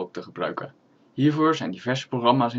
te gebruiken. Hiervoor zijn diverse programma